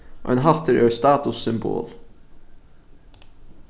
ein hattur er eitt statussymbol